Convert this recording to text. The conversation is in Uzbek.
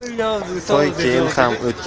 toy keyin ham o'tgan ketganda